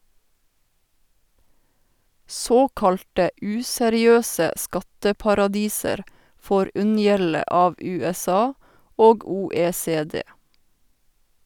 Såkalte useriøse skatteparadiser får unngjelde av USA og OECD.